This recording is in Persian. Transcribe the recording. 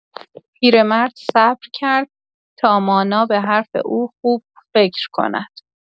پیرمرد صبر کرد تا مانا به حرف او خوب فکر کند!